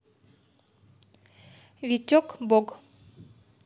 витек бог